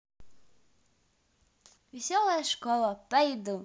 веселая школа пойду